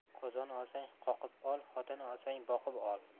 qozon olsang qoqib ol xotin olsang boqib ol